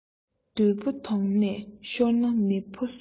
བདུད པོ དོང ནས ཤོར ན མི ཕོ གསོད